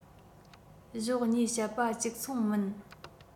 གཞོགས གཉིས བཤད པ གཅིག མཚུངས མིན